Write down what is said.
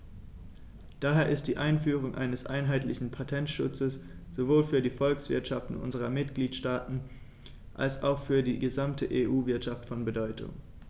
Daher ist die Einführung eines einheitlichen Patentschutzes sowohl für die Volkswirtschaften unserer Mitgliedstaaten als auch für die gesamte EU-Wirtschaft von Bedeutung.